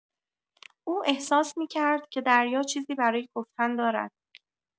او احساس می‌کرد که دریا چیزی برای گفتن دارد.